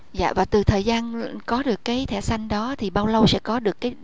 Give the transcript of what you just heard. dạ và từ thời gian có được cái thẻ xanh đó thì bao lâu sẽ có được cái